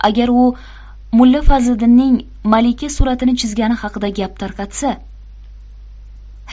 agar u mulla fazliddinning malika suratini chizgani haqida gap tarqatsa